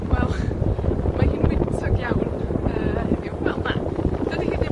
Wel, mae hi'n wyntog iawn, yy, heddiw. Wel, na, dydi hi ddim